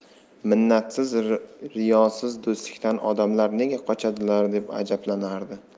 minnatsiz riyosiz do'stlikdan odamlar nega qochadilar deb ajablanardi